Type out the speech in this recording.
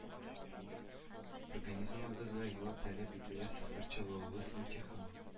Организмыгызга ял таләп ителә сәфәр чыгуыгыз ихтимал